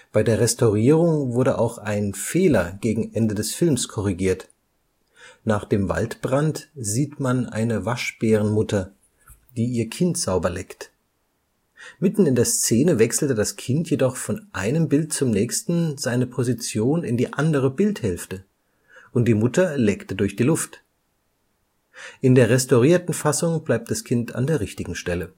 Bei der Restaurierung wurde auch ein Fehler gegen Ende des Films korrigiert. Nach dem Waldbrand sieht man eine Waschbärenmutter, die ihr Kind sauberleckt. Mitten in der Szene wechselte das Kind jedoch von einem Bild zum nächsten seine Position in die andere Bildhälfte, und die Mutter leckte durch die Luft. In der restaurierten Fassung bleibt das Kind an der richtigen Stelle